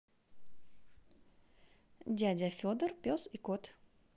дядя федор пес и кот